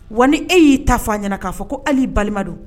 Wa ni e y'i ta fɔ ɲɛna k'a fɔ ko hali balima don